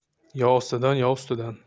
yo ostidan yo ustidan